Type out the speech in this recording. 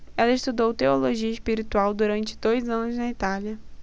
ela estudou teologia espiritual durante dois anos na itália